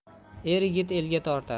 er yigit elga tortar